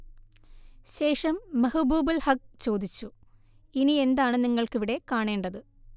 ശേഷം മെഹ്ബൂബുൽ ഹഖ് ചേദിച്ചു: ഇനിയെന്താണ് നിങ്ങൾക്ക് ഇവിടെ കാണേണ്ടത്